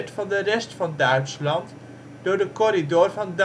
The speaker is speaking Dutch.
van de rest van Duitsland door de ' corridor van